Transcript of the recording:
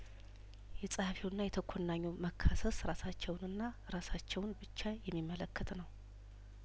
የጸሀፊውና የተኮና ኙ መካሰስ ራሳቸውንና ራሳቸውን ብቻ የሚመለከት ነው